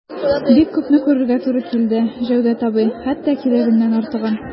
Бик күпне күрергә туры килде, Җәүдәт абый, хәтта кирәгеннән артыгын...